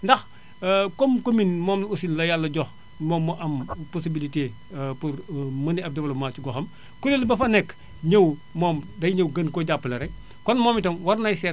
ndax comme comme commune moom aussi la yàlla jox moom mu am possibilité pour mener ab développement ci goxam kuréel ba fa nekk ñëw moom day day ñëw gën koo jàppale rek kon moom itam war nay seet